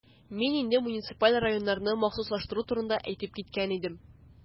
Мин инде муниципаль районнарны махсуслаштыру турында әйтеп киткән идем.